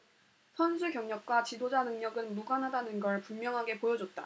선수 경력과 지도자 능력은 무관하다는 걸 분명하게 보여줬다